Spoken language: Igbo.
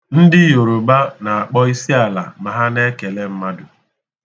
Ndị Yoroba na-akpọ isiala ma ha na-ekele mmadụ.